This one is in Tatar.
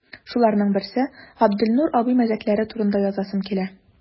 Шуларның берсе – Габделнур абый мәзәкләре турында язасым килә.